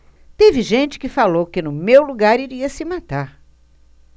teve gente que falou que no meu lugar iria se matar